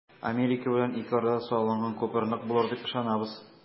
Америка белән ике арада салынган күпер нык булыр дип ышанабыз.